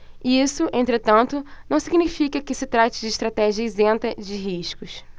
isso entretanto não significa que se trate de estratégia isenta de riscos